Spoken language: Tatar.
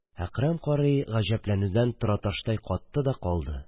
Әкрәм карый гаҗәпләнүдән тораташтай катты да калды.